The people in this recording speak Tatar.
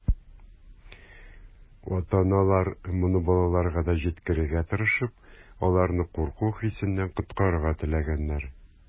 Ата-аналар, моны балаларга да җиткерергә тырышып, аларны курку хисеннән коткарырга теләгәннәр.